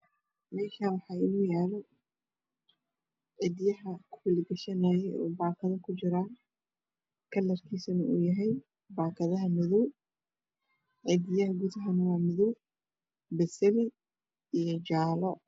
Meshan waxa ino yalo cijaha lagashado oo bakado kujiran kalarkodu waa madow cijiha waa madow io basali io jale